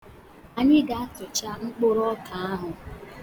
Anyị ga-atụcha mkpụrụ ọka ahu